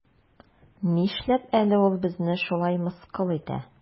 Нишләп әле ул безне шулай мыскыл итә?